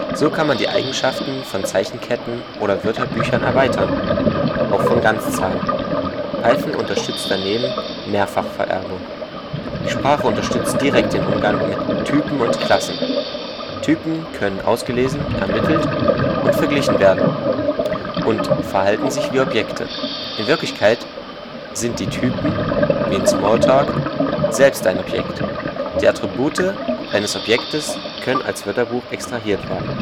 So kann man die Eigenschaften von Zeichenketten oder Wörterbüchern erweitern – auch von Ganzzahlen. Python unterstützt daneben Mehrfachvererbung. Die Sprache unterstützt direkt den Umgang mit Typen und Klassen. Typen können ausgelesen (ermittelt) und verglichen werden und verhalten sich wie Objekte – in Wirklichkeit sind die Typen (wie in Smalltalk) selbst ein Objekt. Die Attribute eines Objektes können als Wörterbuch extrahiert werden